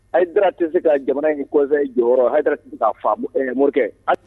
A da a tɛ se ka jamana in kɔ jɔyɔrɔ morikɛ